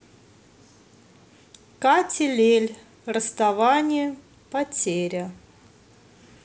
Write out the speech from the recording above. катя лель расставание потеря